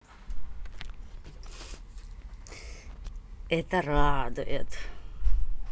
это радует